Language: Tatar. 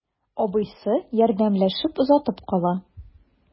Абыйсы ярдәмләшеп озатып кала.